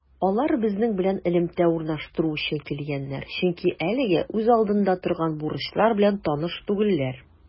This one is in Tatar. Алар безнең белән элемтә урнаштыру өчен килгәннәр, чөнки әлегә үз алдында торган бурычлар белән таныш түгелләр.